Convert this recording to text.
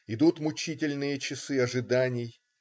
Идут мучительные часы ожиданий.